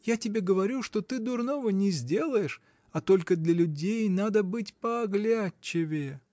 Я тебе говорю, что ты дурного не сделаешь, а только для людей надо быть пооглядчивее!